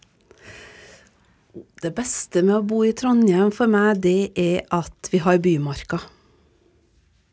det beste med å bo i Trondheim for meg det er at vi har bymarka.